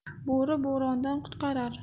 bo'ri bo'ronda quturar